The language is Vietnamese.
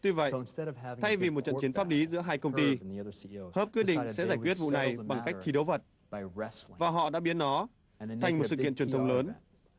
tuy vậy thay vì một trận chiến pháp lý giữa hai công ty hớp quyết định sẽ giải quyết vụ này bằng cách thi đấu vật và họ đã biến nó thành một sự kiện truyền thống lớn